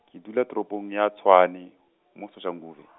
ke dula toropong ya Tshwane , mo Soshanguve.